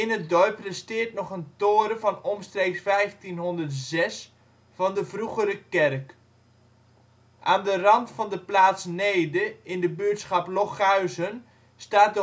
het dorp resteert nog een toren van omstreeks 1506 van de vroegere kerk. Aan de rand van de plaats Neede in de buurtschap Lochuizen staat